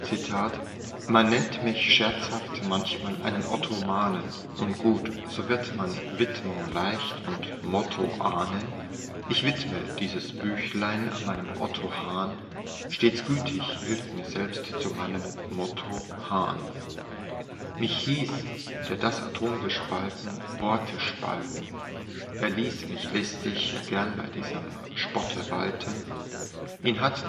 Man nennt mich scherzhaft manchmal einen Otto-manen. Nun gut! So wird man Widmung leicht und Motto ahnen. Ich widme dieses Büchlein meinem Otto Hahn. Stets gütig hilft mir selbst zu einem Motto Hahn: Mich hieß, der das Atom gespalten, Worte spalten. Er ließ mich listig gern bei diesem Sporte walten. Ihn hat